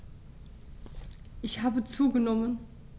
Ich habe zugenommen.